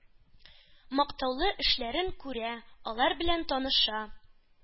Мактаулы эшләрен күрә, алар белән таныша.